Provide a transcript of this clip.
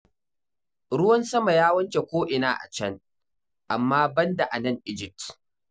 Ruwan sama ya wanke ko'ina a can, amma ban da anan Egypt.